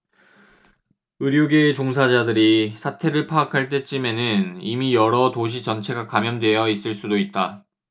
의료계 종사자들이 사태를 파악할 때쯤에는 이미 여러 도시 전체가 감염되어 있을 수도 있다